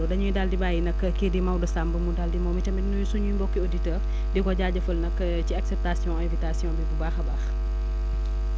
dañuy daal di bàyyi nag kii di Maodo Samb mu daal di moom itamit nyu suñuy mbokki auditeurs di ko jaajëfal nag ci acceptation invitation bi bu baax a baax